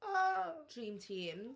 Aa!... Dream team.